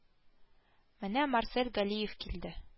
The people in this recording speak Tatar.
Менә Марсель Галиев килде